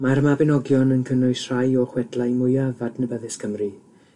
Mae'r Mabinogion yn cynnwys rhai o chwedlau mwyaf adnabyddus Cymru